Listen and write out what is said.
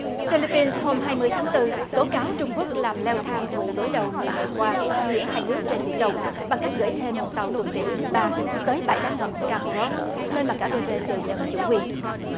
phi líp pin hôm hai mươi tháng tư tố cáo trung quốc làm leo thang vụ đối đầu mười ngày qua giữa hai nước trên biển đông bằng cách gửi thêm một tàu tuần tiễu thứ ba tới bãi đá ngầm sờ ca bô róp nơi mà cả đôi bên đều nhận chủ quyền